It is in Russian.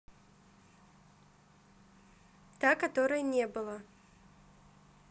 та которой не было